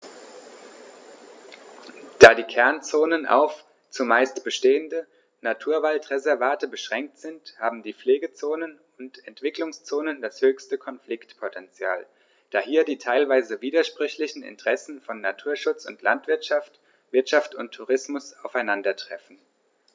Da die Kernzonen auf – zumeist bestehende – Naturwaldreservate beschränkt sind, haben die Pflegezonen und Entwicklungszonen das höchste Konfliktpotential, da hier die teilweise widersprüchlichen Interessen von Naturschutz und Landwirtschaft, Wirtschaft und Tourismus aufeinandertreffen.